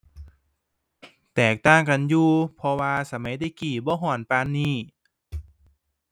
แตกต่างกันอยู่ เพราะว่าสมัยแต่กี้บ่ร้อนปานนี้